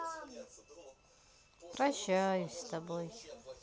прощаюсь с тобой